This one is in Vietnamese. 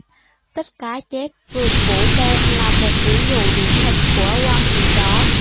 tích cá chép vượt vũ môn là một ví dụ điển hình của quan niệm đó